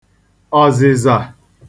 ọ̀zị̀zà